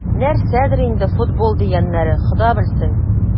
Нәрсәдер инде "футбол" дигәннәре, Хода белсен...